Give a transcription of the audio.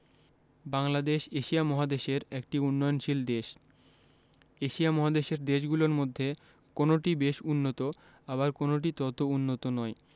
Bangladesh Asia মহাদেশের একটি উন্নয়নশীল দেশ এশিয়া মহাদেশের দেশগুলোর মধ্যে কোনটি বেশ উন্নত আবার কোনোটি তত উন্নত নয়